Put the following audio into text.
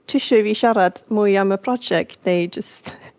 Ti isio i fi siarad mwy am y prosiect neu jyst ...